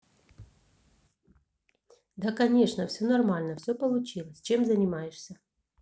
да конечно все нормально все получилось чем занимаешься